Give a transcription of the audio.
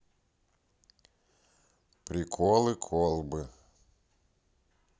приколы колбы